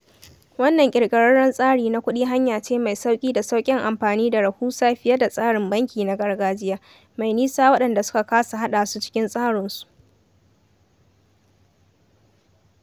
Wannan ƙirƙirarren tsarin na kuɗi hanya ce mai sauƙi da sauƙin amfani da rahusa fiye da tsarin banki na gargajiya, mai 'nisa' waɗanda suka kasa haɗa su cikin tsarin su.